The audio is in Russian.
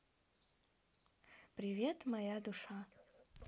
привет моя душа